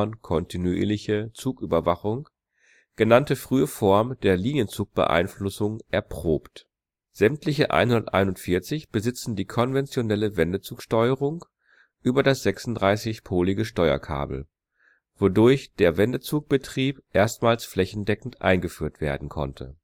Kontinuierliche Zugüberwachung) genannte frühe Form der Linienzugbeeinflussung erprobt. Sämtliche 141 besitzen die konventionelle Wendezugsteuerung über das 36-polige Steuerkabel, wodurch der Wendezugbetrieb erstmals flächendeckend eingeführt werden konnte